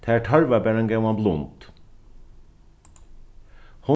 tær tørvar bara ein góðan blund